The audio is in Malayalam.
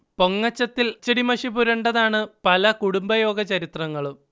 പൊങ്ങച്ചത്തിൽ അച്ചടിമഷി പുരണ്ടതാണ് പല കുടുംബയോഗ ചരിത്രങ്ങളും